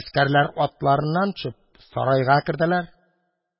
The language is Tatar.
Гаскәрләр, атларыннан төшеп, сарайга керделәр.